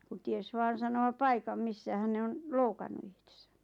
kun tiesi vain sanoa paikan missähän ne on loukannut itsensä